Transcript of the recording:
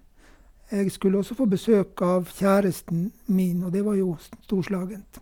Jeg skulle også få besøk av kjæresten min, og det var jo s storslagent.